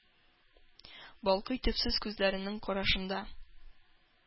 Балкый төпсез күзләренең карашында,